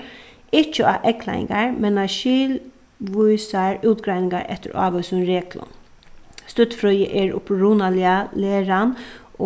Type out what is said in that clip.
ikki á eygleiðingar men á skilvísar útgreiningar eftir ávísum reglum støddfrøði er upprunaliga læran